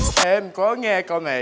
có nghe câu này